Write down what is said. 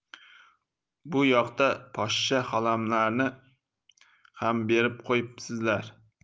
bu yoqda poshsha xolamlarni ham berib qo'yibsizlar